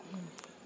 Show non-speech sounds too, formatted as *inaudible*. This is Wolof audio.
*hesitation* *hesitation*